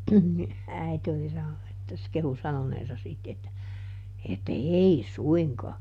niin äiti oli sanonut että se kehui sanoneensa sitten että että ei suinkaan